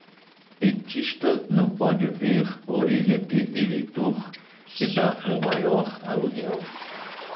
petista não pode ver orelha de eleitor que tá o maior aluguel